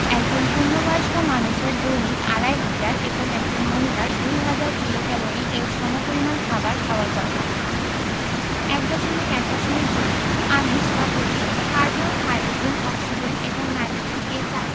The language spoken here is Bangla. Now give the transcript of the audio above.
একজন পূর্ণবয়স্ক মানুষের দৈনিক ২৫০০ এবং একজন মহিলার ২০০০ কিলোক্যালরি এর সমপরিমান খাবার খাওয়ার কথা ১.১.২ আমিষ বা প্রোটিন কার্বন হাইড্রোজেন অক্সিজেন এবং নাইট্রোজেন এ চার